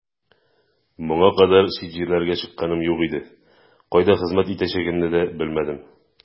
Моңа кадәр чит җирләргә чыкканым юк иде, кайда хезмәт итәчәгемне дә белмәдем.